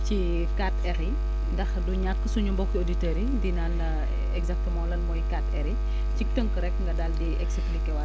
ci 4R yi ndax du ñàkk suñu mbokk auditeurs yi di naan exactement lan mooy 4R yi cig tënk rek nga daal di expliqué waat